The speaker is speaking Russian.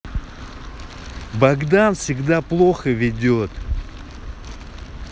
богдан всегда плохо ведет